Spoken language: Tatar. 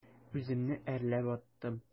Үземне әрләп аттым.